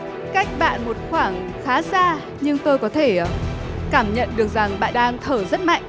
cách bạn một khoảng khá xa nhưng tôi có thể cảm nhận được rằng bạn đang thở rất mạnh